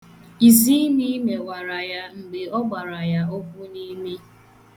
Iziimi merewara ya mgbe ọ gbara ya ụkwụ n'imi.